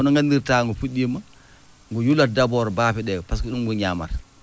no nganndirtaa ngu fuɗɗiima ngu yulat d' baafe ɗe pasque ɗum ngu ñaamata